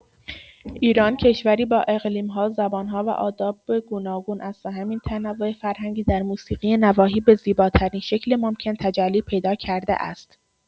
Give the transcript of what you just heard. ایران کشوری با اقلیم‌ها، زبان‌ها و آداب گوناگون است و همین تنوع فرهنگی در موسیقی نواحی به زیباترین شکل ممکن تجلی پیدا کرده است.